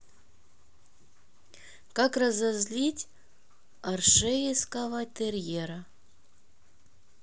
как разозлить ершевского тельера